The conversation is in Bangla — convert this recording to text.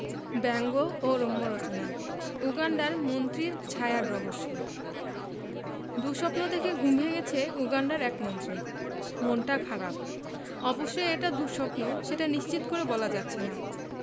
ব্যঙ্গ ও রম্যরচনা উগান্ডার মন্ত্রীর ছায়াররহস্য দুঃস্বপ্ন দেখে ঘুম ভেঙেছে উগান্ডার এক মন্ত্রীর মনটা খারাপ অবশ্য এটা দুঃস্বপ্ন সেটা নিশ্চিত করে বলা যাচ্ছে না